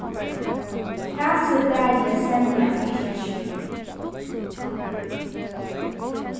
hasi bæði semjast ikki